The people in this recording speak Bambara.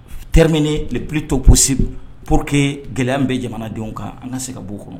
Temini purle to kosi pour que gɛlɛya bɛ jamanadenw kan an ka se ka'o kɔnɔ